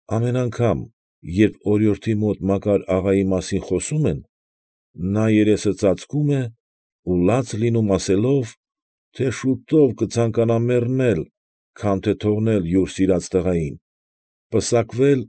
Ամեն անգամ, երբ օրիորդի մոտ Մակար աղայի մասին խոսում են, նա երեսը ծածկում է ու լաց լինում, ասելով, թե շուտով կցանկանա մեռնել, քան թե թողնելով յուր սիրած տղային, պսակվել։